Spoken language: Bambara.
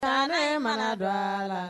Taa ma don a la